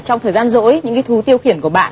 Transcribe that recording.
trong thời gian rỗi những cái thú tiêu khiển của bạn